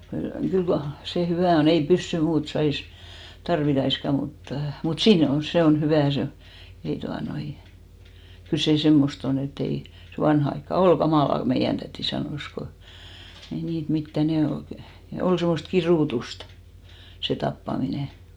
kyllä kyllä kai se hyvä on ei pyssy muuta saisi tarvittaisikaan mutta mutta siinä on se on hyvä se on ei tuota noin kyllä se semmoista on että ei se vanhaan aikaan oli kamalaa kun meidän täti sanoi kun ei niitä mitään ne oli - ne oli semmoista kidutusta se tappaminen